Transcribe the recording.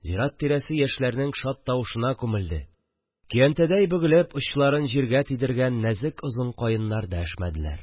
Зират тирәсе яшьләрнең шат тавышына күмелде – көянтәдәй бөгелеп очларын җиргә тидергән нәзек озын каеннар дәшмәделәр